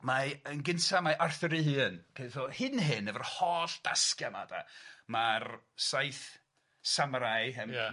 Mae yn gynta mae Arthur ei hun, ok so hyd yn hyn efo'r holl dasgia 'ma de ma'r saith samurai yn... Ia.